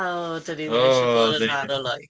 O 'dyn ni ddim... o! ....isie bod yn rhan o Loegr.